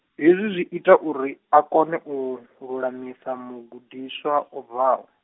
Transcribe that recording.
hezwi zwi ita uri a kone u, lulamisa mugudiswa o bvaho.